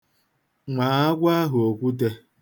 Maa agwọ ahụ okwute!